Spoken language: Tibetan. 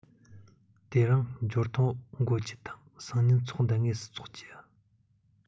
དེ རིང འབྱོར ཐོ འགོད རྒྱུ དང སང ཉིན ཚོགས འདུ དངོས སུ འཚོག རྒྱུ